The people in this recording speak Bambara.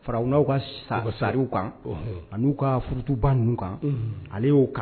Fara u n ka sa sariw kan ani'u ka furutuba kan ale y'o